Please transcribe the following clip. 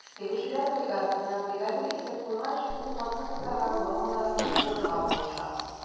Тегүчеләр бригадасына бригадир итеп куйгач, ул хатын-кызларга нормаларын тутырырга булыша.